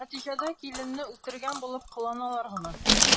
Нәтиҗәдә киленне үтергән булып кыланалар гына.